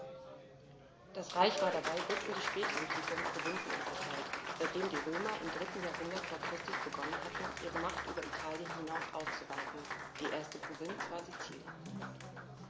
Das Reich war dabei bis in die Spätantike in Provinzen unterteilt, seitdem die Römer im 3. Jahrhundert vor Christus begonnen hatten, ihre Macht über Italien hinaus auszuweiten (die erste Provinz war Sizilien).